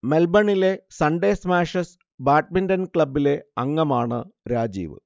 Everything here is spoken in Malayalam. മെൽബണിലെ സൺഡേ സ്മാഷേഴ്സ് ബാഡ്മിന്റൺ ക്ലബിലെ അംഗമാണ് രാജീവ്